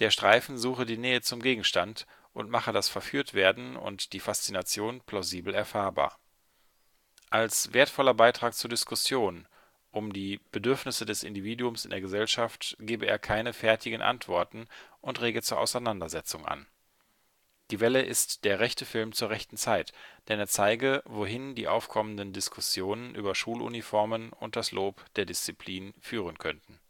Streifen suche die Nähe zum Gegenstand und mache das Verführtwerden und die Faszination plausibel erfahrbar. Als „ wertvoller Beitrag zur Diskussion “um die Bedürfnisse des Individuums in der Gesellschaft gebe er keine fertigen Antworten und rege zur Auseinandersetzung an. „ Die Welle ist der rechte Film zur rechten Zeit “, denn er zeige, wohin die aufkommenden Diskussionen über Schuluniformen und das Lob der Disziplin führen könnten